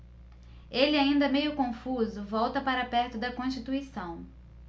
ele ainda meio confuso volta para perto de constituição